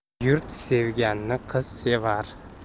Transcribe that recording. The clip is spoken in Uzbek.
yurt sevganni qiz sevar